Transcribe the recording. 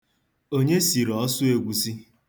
Onye siri ọsụegusi?